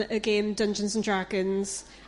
y gêm dungeons and dragons